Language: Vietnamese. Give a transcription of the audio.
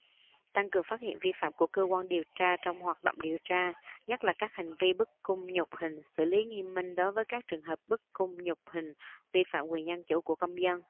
tăng cường phát hiện vi phạm của cơ quan điều tra trong hoạt động điều tra nhất là các hành vi bức cung nhục hình xử lý nghiêm minh đối với các trường hợp bức cung nhục hình vi phạm quyền dân chủ của công dân